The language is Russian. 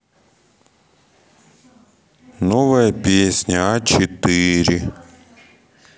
новая песня а четыре